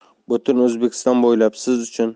butun o'zbekiston bo'ylab siz